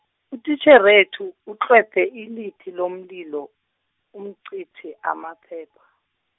utitjherethu utlwebhe ilithi lomlilo, umcithi amaphepha.